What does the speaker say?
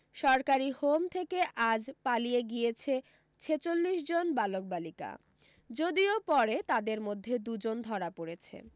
সরকারী হোম থেকে আজ পালিয়ে গিয়েছে ছেচল্লিশ জন বালক বালিকা যদিও পরে তাদের মধ্যে দু জন ধরা পড়েছে